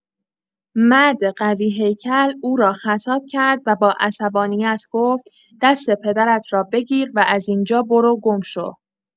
مرد قوی‌هیکل او را خطاب کرد و با عصبانیت گفت: «دست پدرت را بگیر و از این‌جا برو گم شو.»